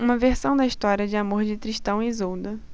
uma versão da história de amor de tristão e isolda